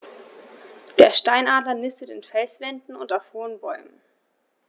Der Steinadler nistet in Felswänden und auf hohen Bäumen.